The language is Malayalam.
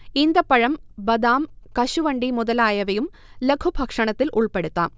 ഈന്തപ്പഴം, ബദാം, കശുവണ്ടി മുതലായവയും ലഘുഭക്ഷണത്തിൽ ഉൾപ്പെടുത്താം